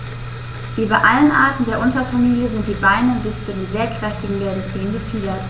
Wie bei allen Arten der Unterfamilie sind die Beine bis zu den sehr kräftigen gelben Zehen befiedert.